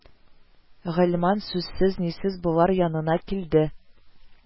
Гыйльман сүзсез-нисез болар янына килде